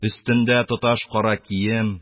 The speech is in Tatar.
Өстендә тоташ кара кием